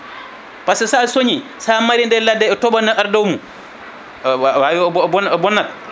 pasque sa cooñi sa maaride e ladde tooɓo no ara dow mum o bonnat